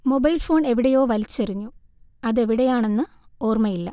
mobile phone എവിടെയോ വലിച്ചെറിഞ്ഞു അതെവിടെയാെണന്ന് ഓർമയില്ല